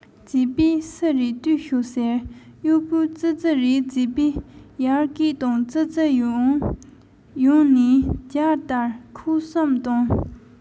བྱས པས སུ རེད ལྟོས ཤོག ཟེར གཡོག པོ ཙི ཙི རེད བྱས པས ཡར སྐད བཏང ཙི ཙི ཡར ཡོང ནས ཇ སྟར ཁོག གསུམ བཏུང